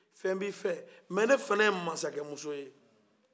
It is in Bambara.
fɛn bɛ i fɛ nka ne fana ye masakɛmuso ye